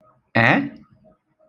ee